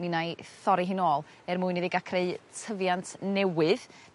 mi wnai thorri hi nôl er mwyn iddi ga' creu tyfiant newydd